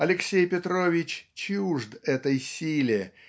Алексей Петрович чужд этой силе